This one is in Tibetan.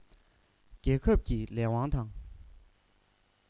རྒྱལ ཁབ ཀྱི ལས དབང དང